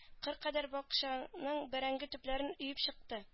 Кыр кадәр бакчаның бәрәңге төпләрен өеп чыкты